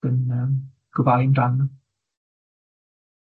Dwi'n yym gofalu amdanyn nw.